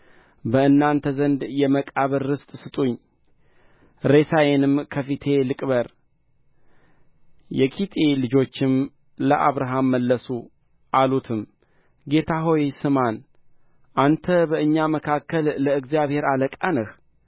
በእናንተ ዘንድ የመቃብር ርስት ስጡኝ ሬሳዬንም ከፊቴ ልቅበር የኬጢ ልጆችም ለአብርሃም መለሱ አሉትም ጌታ ሆይ ስማን አንተ በእኛ መካከል ከእግዚአብሔር አለቃ ነህ